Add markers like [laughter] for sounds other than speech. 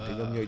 [hesitation] [hesitation]